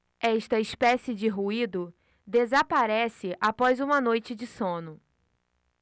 esta espécie de ruído desaparece após uma noite de sono